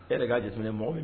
E yɛrɛ k'a jateminɛn mɔgɔ